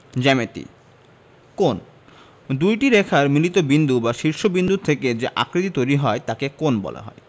জ্যামিতিঃ কোণঃ দুইটি রেখার মিলিত বিন্দু বা শীর্ষ বিন্দু থেকে যে আকৃতি তৈরি হয় তাকে কোণ বলা হয়